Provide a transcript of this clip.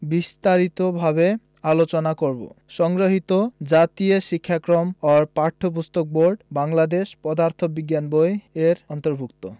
বিস্তারিতভাবে আলোচনা করব সংগৃহীত জাতীয় শিক্ষাক্রম ও পাঠ্যপুস্তক বোর্ড বাংলাদেশ পদার্থ বিজ্ঞান বই এর অন্তর্ভুক্ত